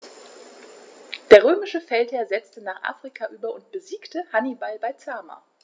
Der römische Feldherr setzte nach Afrika über und besiegte Hannibal bei Zama.